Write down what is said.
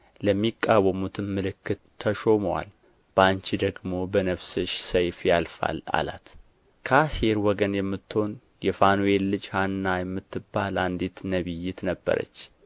ለሚቃወሙትም ምልክት ተሾሞአል በአንቺም ደግሞ በነፍስሽ ሰይፍ ያልፋል አላት ከአሴር ወገንም የምትሆን የፋኑኤል ልጅ ሐና የምትባል አንዲት ነቢይት ነበረች